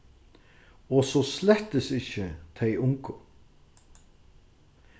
og so slettis ikki tey ungu